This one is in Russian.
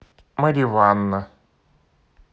marivanna